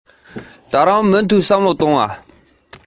ནང དུ བག མ མི འདུག